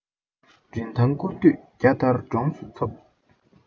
རིན ཐང སྐོར དུས བརྒྱ སྟར གྲངས སུ ཚུད